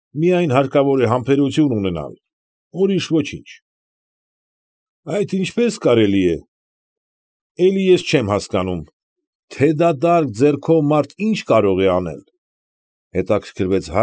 Միայն հարկավոր է համրերութուն ունենալ, ուրիշ ոչինչ… ֊ Այդ ինչպե՞ս կարելի է, էլի ես չեմ հասկանում, թե դատարկ ձեռքով մարդ ի՞նչ կարող է անել, ֊ հետաքրքրվեց։